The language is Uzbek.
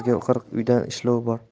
qizga qirq uydan ishlov bor